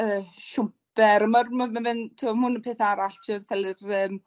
yy siwmper ma'r ma' ma' fe'n t'mo' ma' 'wn yn peth arall jys ffel yr yym